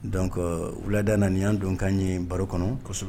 Donc wulada in na nin y'an donkan ye baro kɔnɔ, kosɛbɛ